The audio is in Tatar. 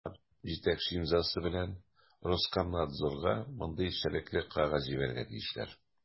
Алар җитәкче имзасы белән Роскомнадзорга мондый эчтәлекле кәгазь җибәрергә тиешләр: